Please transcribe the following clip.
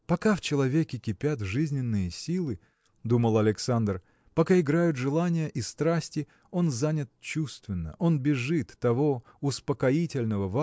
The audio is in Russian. Пока в человеке кипят жизненные силы – думал Александр – пока играют желания и страсти он занят чувственно он бежит того успокоительного